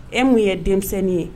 E min ye denmisɛnnin ye